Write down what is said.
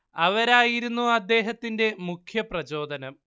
അവരായിരുന്നു അദ്ദേഹത്തിന്റെ മുഖ്യപ്രചോദനം